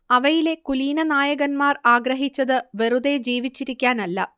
അവയിലെ കുലീനനായകമാർ ആഗ്രഹിച്ചത് വെറുതേ ജീവിച്ചിരിക്കാനല്ല